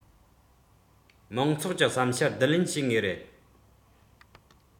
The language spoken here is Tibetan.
མང ཚོགས ཀྱི བསམ འཆར བསྡུ ལེན བྱེད ངེས རེད